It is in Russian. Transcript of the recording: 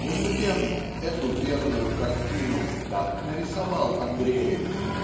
Между тем эту верную картину так нарисовал Андреев